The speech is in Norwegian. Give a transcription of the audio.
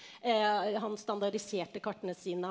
han standardiserte kartene sine.